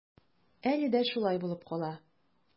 Әле дә шулай булып кала.